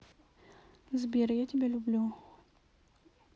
сбер я тебя люблю